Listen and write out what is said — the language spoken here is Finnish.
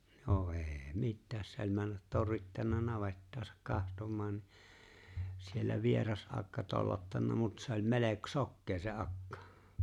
no ei mitään se oli mennä torrittanut navettaansa katsomaan niin siellä vieras akka tollottanut mutta se oli - sokea se akka